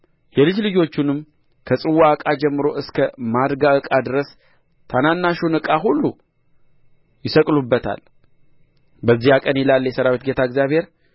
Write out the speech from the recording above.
የልጅ ልጆቹንም ከጽዋ ዕቃ ጀምሮ እስከ ማድጋ ዕቃ ድረስ ታናናሹን ዕቃ ሁሉ ይሰቅሉበታል በዚያ ቀን ይላል የሠራዊት ጌታ እግዚአብሔር